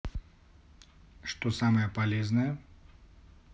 что самое полезное